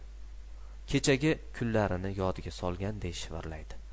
kechagi kunlarini yodiga solganday shivirlaydi